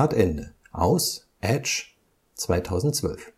sehen. “– Steve Gaynor: Edge, 2012